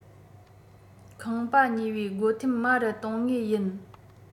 ཁང པ ཉོས པའི སྒོ ཐེམ དམའ རུ གཏོང ངེས ཡིན